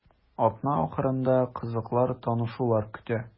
Атна ахырында кызыклы танышулар көтә.